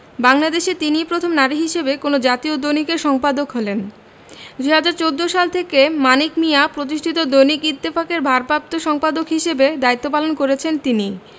বাংলাদেশে তিনিই প্রথম নারী হিসেবে কোনো জাতীয় দৈনিকের সম্পাদক হলেন ২০১৪ সাল থেকে মানিক মিঞা প্রতিষ্ঠিত দৈনিক ইত্তেফাকের ভারপ্রাপ্ত সম্পাদক হিসেবে দায়িত্ব পালন করছিলেন তিনি